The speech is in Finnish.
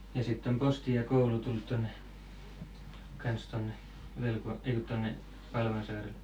ja sitten on posti ja koulu tullut tuonne kanssa tuonne Velkua ei kun tuonne Palvan saarelle